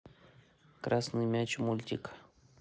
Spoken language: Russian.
красный мяч мультик